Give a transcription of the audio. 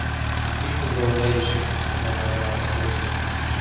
Бик зур гәүдә ишек яңагына сөялде.